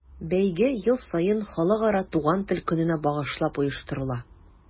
Бәйге ел саен Халыкара туган тел көненә багышлап оештырыла.